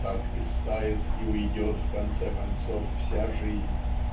"Так истает и уйдет в конце концов вся жизнь.